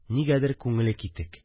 Нигәдер күңеле китек